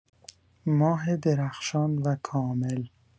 ماه درخشان و کامل